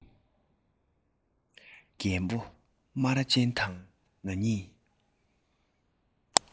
རྒད པོ སྨ ར ཅན དང ང གཉིས